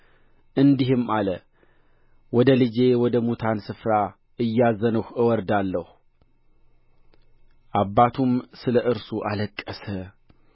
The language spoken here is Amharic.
እንዲህም አለ ወደ ልጄ ወደ ሙታን ስፍራ እያዘንሁ እወርዳለሁ አባቱም ስለ እርሱ አለቀሰ